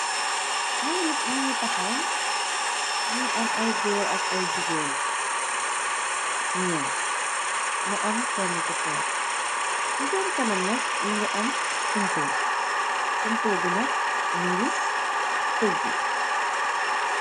Aiiy nitt njungy takhaw, njungy am aiiy gorre ak aiiy gigain cii njom, mu am kenu ku tok, cii sehn kanam nak mungy am kumpoh, kumpoh bii nak mungy sehgu.